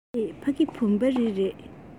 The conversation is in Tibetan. མ རེད ཕ གི བུམ པ རི རེད